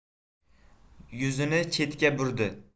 yuzini chetga burdi